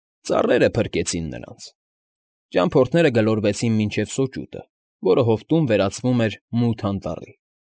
Ծառերը փրկեցին նրանց։ Ճամփորդները գլորվեցին մինչև սոճուտը, որը հովտում վերածվում էր մութ անտառի։